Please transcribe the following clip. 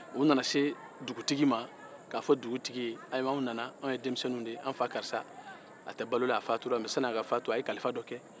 u nana se dugutigi ma k'a fɔ dugu tigi ayiwa an nana an ye denmisɛnninw de ye an fa karisa a tɛ balola a faturura mɛ sann'a ka fatu a ye kalifa dɔ kɛ